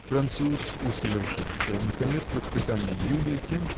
Француз усовершенствовал наконец воспитание Юлии тем